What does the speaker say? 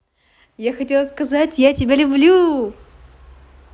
я хотела сказать я тебя люблю